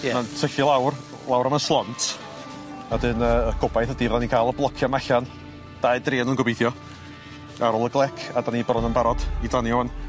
Ie. Ma'n tyllu lawr lawr am y slont a 'dyn yy y gobaith ydi fyddwn ni'n ca'l y blociau 'ma allan dau dri o nw'n gobeithio ar ôl y glec a 'dan ni bron yn barod i donio ŵan.